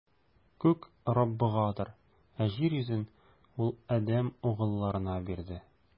Күк - Раббыгадыр, ә җир йөзен Ул адәм угылларына бирде.